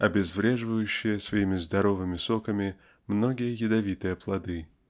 обезвреживающие своими здоровыми соками многие ядовитые плоды.